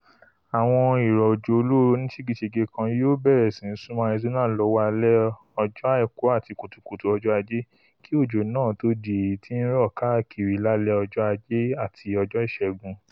Àwọn ìrọ̀ òjò olóoru onísége-sège kan yóò bẹ̀rẹ̀ sí súnmọ́ Arizona lọ́wọ́ alẹ́ ọjọ́ Àìkú àti kùtùkùtù ọjọ Ajé, kí òjò náà tó di èyití ó ńrọ̀ káàkiri lálẹ́ ọjọ́ Ajé àti ọjọ́ Ìṣẹ́gun.